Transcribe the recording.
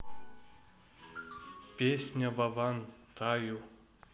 песня vavan таю